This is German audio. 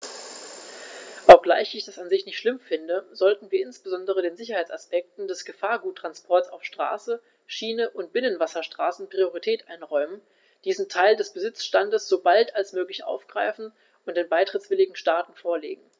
Obgleich ich das an sich nicht schlimm finde, sollten wir insbesondere den Sicherheitsaspekten des Gefahrguttransports auf Straße, Schiene und Binnenwasserstraßen Priorität einräumen, diesen Teil des Besitzstands so bald als möglich aufgreifen und den beitrittswilligen Staaten vorlegen.